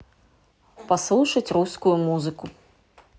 послушать русскую музыку